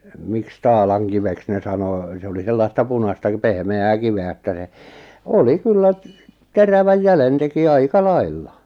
miksi taalankiveksi ne sanoi se oli sellaista punaista - pehmeää kiveä että se oli kyllä terävän jäljen teki aika lailla